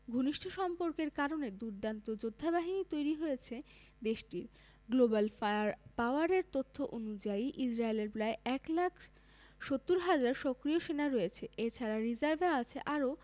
দুর্দান্ত যোদ্ধাবাহিনী তৈরি হয়েছে দেশটির গ্লোবাল ফায়ার পাওয়ারের তথ্য অনুযায়ী ইসরায়েলের প্রায় ১ লাখ ৭০ হাজার সক্রিয় সেনা রয়েছে এ ছাড়া রিজার্ভে আছে আরও